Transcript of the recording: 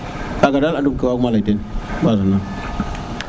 kaga dal andum no ka waag ma ley teen nu mbasa naam